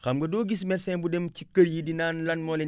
xam nga doo gis ci medecin bu dem ci kër yi di naan lan moo leen